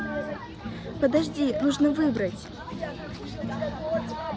подожди нужно выбрать